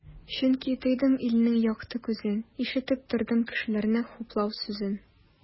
Чөнки тойдым илнең якты күзен, ишетеп тордым кешеләрнең хуплау сүзен.